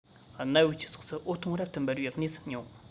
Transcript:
གནའ བོའི སྤྱི ཚོགས སུ འོད སྟོང རབ ཏུ འབར བའི གནས ཟིན མྱོང